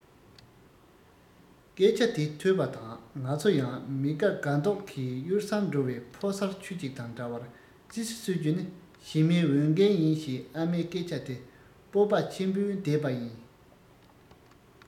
སྐད ཆ དེ ཐོས པ དང ང ཚོ ཡང མི དགའ དགའ མདོག གིས གཡུལ སར འགྲོ བའི ཕོ གསར ཁྱུ གཅིག དང འདྲ བར ཙི ཙི གསོད རྒྱུ ནི ཞི མིའི འོས འགན ཡིན ཞེས ཨ མའི སྐད ཆ དེ སྤོབས པ ཆེན པོས བཟླས པ ཡིན